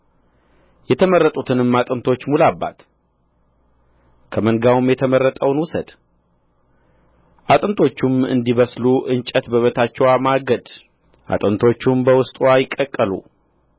የተመረጡትንም አጥንቶች ሙላባት ከመንጋው የተመረጠውን ውሰድ አጥንቶቹም እንዲበስሉ እንጨት በበታችዋ ማግድ አጥንቶቹም በውስጥዋ ይቀቀሉ